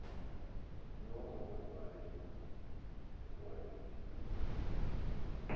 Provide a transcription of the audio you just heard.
дом из арболита экологическая экспертиза